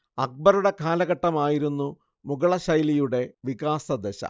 അക്ബറുടെ കാലഘട്ടമായിരുന്നു മുഗളശൈലിയുടെ വികാസദശ